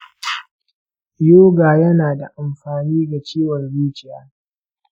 yoga yana da amfani ga ciwon zuciya?